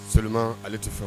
Selima ale tɛ fɛn